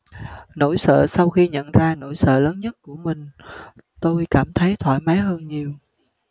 nỗi sợ sau khi nhận ra nỗi sợ lớn nhất của mình tôi cảm thấy thoải mái hơn nhiều